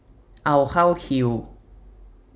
เอาเข้าคิว